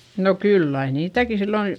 no kyllä aina niitäkin silloin